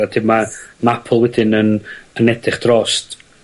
Wetyn ma' map o wedyn yn yn edrych drost